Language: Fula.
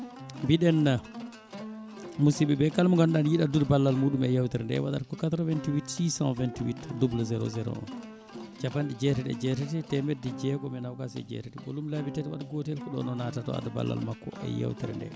mbiɗen musibɓeɓe kala mo ganduɗa ne yiiɗi addude ballal muɗum e yewtere nde waɗata ko 88 628 00 01 capanɗe jeetati e jeetati temedde jeegom e nogas e jeetati ɓoolum laabi tati waɗa gotel ko ɗo noon o natata o adda ballal makko e yewtere nde